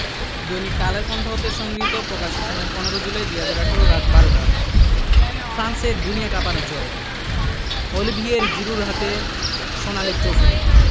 দৈনিক কালের কন্ঠ হতে সংগৃহীত প্রকাশের সময় ১৫ জুলাই ২০১৮ রাত ১২টা ফ্রান্সের দুনিয়া কাঁপানো জয় অলিভিয়ের জিরুর হাতে সোনালি ট্রফি